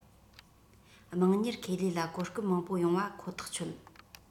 དམངས གཉེར ཁེ ལས ལ གོ སྐབས མང པོ ཡོང བ ཁོ ཐག ཆོད